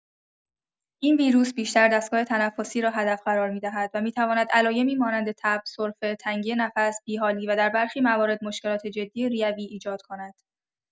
این ویروس بیشتر دستگاه تنفسی را هدف قرار می‌دهد و می‌تواند علایمی مانند تب، سرفه، تنگی نفس، بی‌حالی و در برخی موارد مشکلات جدی ریوی ایجاد کند.